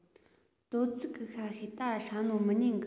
དོ ཚིགས གི ཤ ཤེད ད ཧྲ ནོ མི ཉན གི